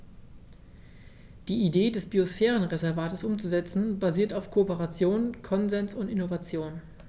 Die Idee des Biosphärenreservates umzusetzen, basiert auf Kooperation, Konsens und Innovation.